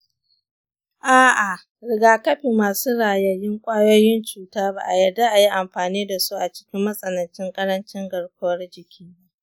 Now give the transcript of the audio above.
a’a, rigakafi masu rayayyun ƙwayoyin cuta ba a yarda a yi amfani da su a cikin matsanancin ƙarancin garkuwar jiki ba.